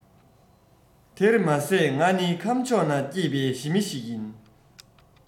དེར མ ཟད ང ནི ཁམས ཕྱོགས ན སྐྱེས པའི ཞི མི ཞིག ཡིན